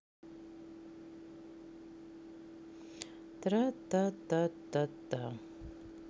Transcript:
тра та та та та